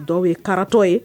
Dɔw ye karatatɔ ye